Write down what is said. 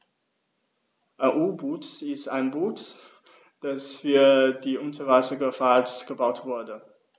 Ein U-Boot ist ein Boot, das für die Unterwasserfahrt gebaut wurde.